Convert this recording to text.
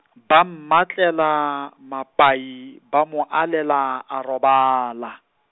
ba mmatlela mapai ba mo alela a robala.